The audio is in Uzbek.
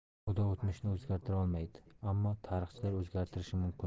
xudo o'tmishni o'zgartira olmaydi ammo tarixchilar o'zgartirishi mumkin